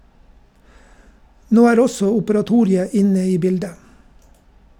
Nå er også Operatoriet inne i bildet.